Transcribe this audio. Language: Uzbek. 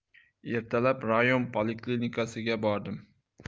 ertalab rayon poliklinikasiga bordim